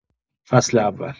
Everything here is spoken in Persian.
فصل اول